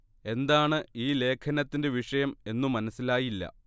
എന്താണ് ഈ ലേഖനത്തിന്റെ വിഷയം എന്നു മനസ്സിലായില്ല